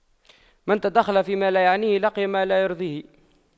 من تدخل فيما لا يعنيه لقي ما لا يرضيه